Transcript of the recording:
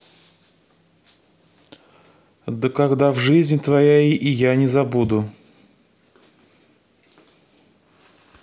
да когда в жизни твоя и я не забуду